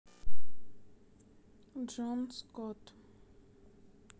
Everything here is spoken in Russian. джон скотт